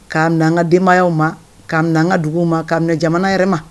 K'an bɛna an ka denbayaya ma k'an bɛna anan ka dugu ma'an bɛna jamana yɛrɛ ma